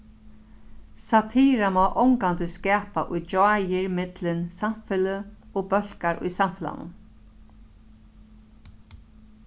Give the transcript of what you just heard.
satira má ongantíð skapa gjáir millum samfeløg og bólkar í samfelagnum